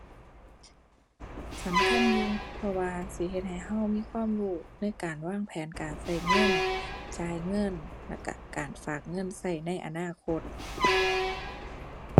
สำคัญอยู่ เพราะว่าสิเฮ็ดให้เรามีความรู้ในการวางแผนการเราเงิน จ่ายเงิน แล้วเราการฝากเงินเราในอนาคต